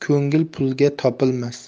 ko'ngil pulga topilmas